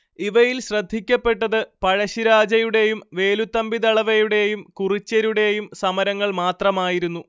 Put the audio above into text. ഇവയിൽ ശ്രദ്ധിക്കപ്പെട്ടത് പഴശ്ശിരാജയുടേയും വേലുത്തമ്പിദളവയുടേയും കുറിച്യരുടേയും സമരങ്ങൾ മാത്രമായിരുന്നു